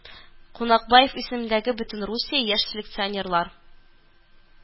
Кунакбаев исемендәге Бөтенрусия яшь селекционерлар